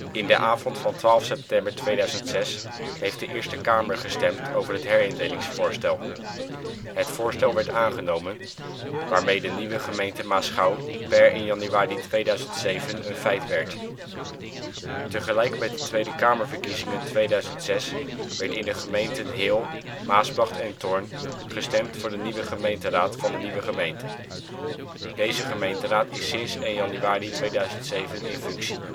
In de avond van 12 september 2006 heeft de Eerste Kamer gestemd over het herindelingsvoorstel. Het voorstel werd aangenomen waarmee de nieuwe gemeente Maasgouw per 1 januari 2007 een feit werd. Tegelijk met de Tweede Kamerverkiezingen 2006 werd in de gemeenten Heel, Maasbracht en Thorn gestemd voor de eerste gemeenteraad van de nieuwe gemeente. Deze gemeenteraad is sinds 1 januari in functie